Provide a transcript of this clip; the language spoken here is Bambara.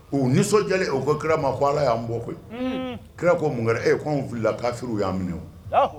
Nisɔndiya o ko kira ma ko ala y'an bɔ koyi kira ko mun e' anw fili kafiw y'an minɛ